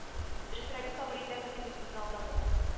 Дөресрәге сабыр итәбез дип үзебезне алдадык